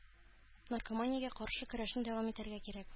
“наркоманиягә каршы көрәшне дәвам итәргә кирәк”